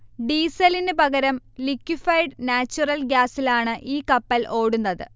ഡീസലിന് പകരം liquefied natural ഗ്യാസിലാണ് ഈ കപ്പൽ ഓടുന്നത്